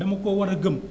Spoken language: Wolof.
dama koo war a gëm